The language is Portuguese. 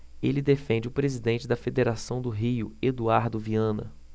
ele defende o presidente da federação do rio eduardo viana